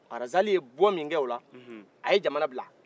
arazali ye bɔ min k'ola a ye jamana bila